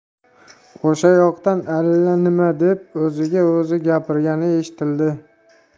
o'sha yoqdan allanima deb o'ziga o'zi gapirgani eshitildi